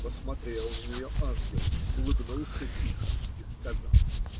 Посмотрел на нее ангел, улыбнулся тихо и сказал